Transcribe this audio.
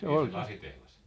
niin se lasitehdas